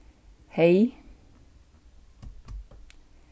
hey